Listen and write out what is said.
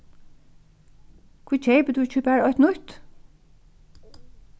hví keypir tú ikki bara eitt nýtt